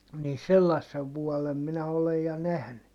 niin sellaisen vuoden minä olen ja nähnyt